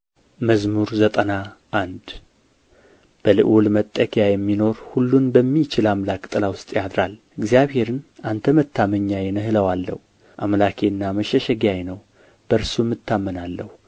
መዝሙር ዘጠና አንድ በልዑል መጠጊያ የሚኖር ሁሉን በሚችል አምላክ ጥላ ውስጥ ያድራል እግዚአብሔርን አንተ መታመኛዬ ነህ እለዋለሁ አምላኬና መሸሸጊያዬ ነው በእርሱም እታመናለሁ